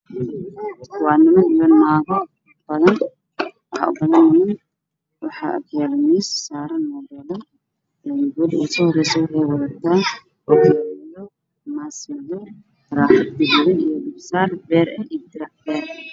Waa niman iyo naago badan waxaa agyaalo miis cadaan ah waxaa saaran muubeelo, gabadha ugu soo horeyso waxay wadataa ookiyaalo madow, maaski, taraaxad beer ah iyo dirac beer ah.